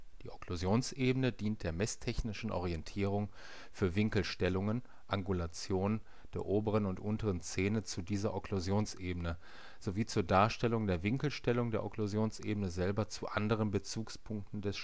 Die Okklusionsebene dient der messtechnischen Orientierung für Winkelstellungen / Angulationen der oberen und unteren Zähne zu dieser Okklusionsebene sowie zur Darstellung der Winkelstellung der Okklusionsebene selber zu anderen Bezugspunkten des